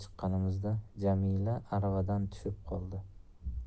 jamila aravadan tushib qoldi